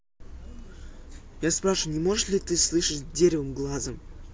я спрашиваю не можешь ли ты слышишь деревом глазом